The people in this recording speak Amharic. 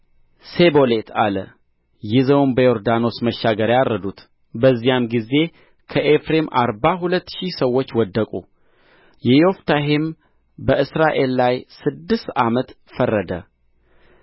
ሲቦሌት አለ ይዘውም በዮርዳኖስ መሻገሪያ አረዱት በዚያም ጊዜ ከኤፍሬም አርባ ሁለት ሺህ ሰዎች ወደቁ ዮፍታሔም በእስራኤል ላይ ስድስት ዓመት ፈረደ